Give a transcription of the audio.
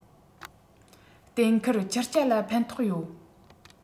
གཏན འཁེལ ཆུ རྐྱལ ལ ཕན ཐོགས ཡོད